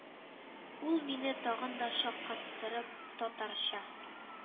Ул, мине тагын да шаккатырып, татарча: